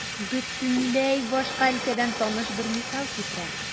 Бөтенләй башка өлкәдән таныш бер мисал китерәм.